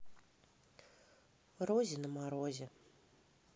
рози на морозе